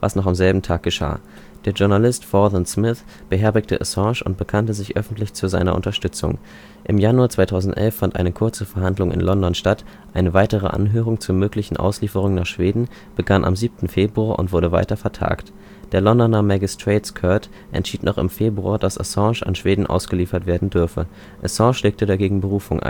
noch am selben Tag geschah. Der Journalist Vaughan Smith beherbergte Assange und bekannte sich öffentlich zu seiner Unterstützung. Im Januar 2011 fand eine kurze Verhandlung in London statt, eine weitere Anhörung zur möglichen Auslieferung nach Schweden begann am 7. Februar und wurde weiter vertagt. Der Londoner Magistrates’ Court entschied noch im Februar, dass Assange an Schweden ausgeliefert werden dürfe. Assange legte dagegen Berufung ein